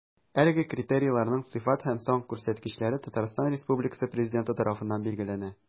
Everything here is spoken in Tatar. Әлеге критерийларның сыйфат һәм сан күрсәткечләре Татарстан Республикасы Президенты тарафыннан билгеләнә.